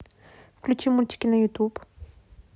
включи мультики на ютуб